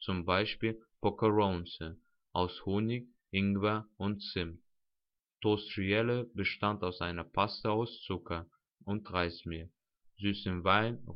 Beispiel Pokerounce aus Honig, Ingwer und Zimt. Toste rialle bestand aus einer Paste aus Zucker und Reismehl, süßem Wein